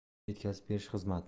yetkazib berish xizmati